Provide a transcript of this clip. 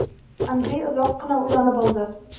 Андрей озак кына уйланып алды.